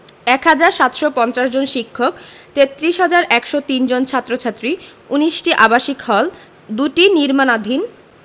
১ হাজার ৭৫০ জন শিক্ষক ৩৩ হাজার ১০৩ জন ছাত্র ছাত্রী ১৯টি আবাসিক হল ২টি নির্মাণাধীন